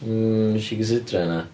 Wnes i gonsidro hynna.